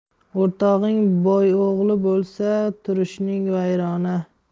o'rtog'ing boyo'g'li bo'lsa turishing vayrona